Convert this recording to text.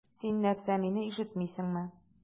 Син нәрсә, мине ишетмисеңме?